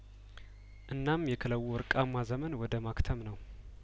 እናም የክለቡ ወርቃማ ዘመን ወደ ማክተም ነው